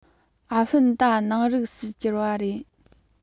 ཨ ཧྥེན ཏ ནང རིགས སུ གྱུར བ རེད